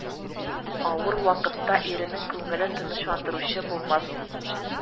Авыр вакытта иренең күңелен тынычландыручы булмас